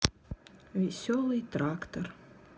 веселый трактор